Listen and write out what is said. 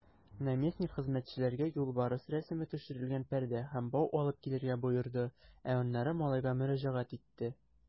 Наместник хезмәтчеләргә юлбарыс рәсеме төшерелгән пәрдә һәм бау алып килергә боерды, ә аннары малайга мөрәҗәгать итте.